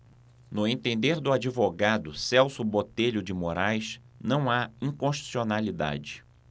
no entender do advogado celso botelho de moraes não há inconstitucionalidade